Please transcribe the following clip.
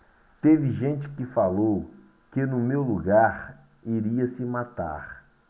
teve gente que falou que no meu lugar iria se matar